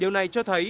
điều này cho thấy